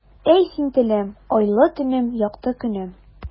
Әй, син, телем, айлы төнем, якты көнем.